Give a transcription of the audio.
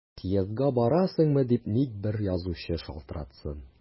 Съездга барасыңмы дип ник бер язучы шалтыратсын!